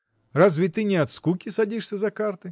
Разве ты не от скуки садишься за карты?